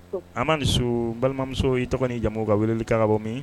A b' dusu so balimamuso i tɔgɔ ni jamu ka wuli kababɔ min